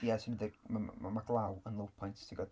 Ia 'swn i'n deud m- m- m- ma' glaw yn lowpoint ti'n gwybod?